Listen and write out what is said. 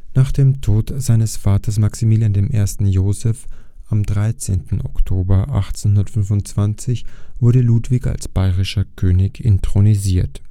Nach dem Tod seines Vaters Maximilian I. Joseph am 13. Oktober 1825 wurde Ludwig als bayerischer König inthronisiert